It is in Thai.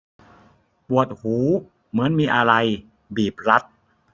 ปวดหูเหมือนมีอะไรบีบรัด